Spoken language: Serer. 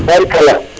barikala